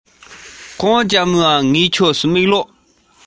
སེམས ནི བདག ལ